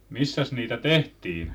missäs niitä tehtiin